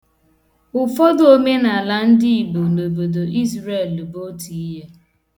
Ụfọdụ omenaala ndị Igbo na obodo Izrel bụ otu ihe.